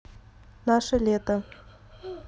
наше лето